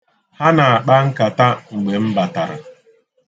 Ha na-akpa nkata mgbe m batara.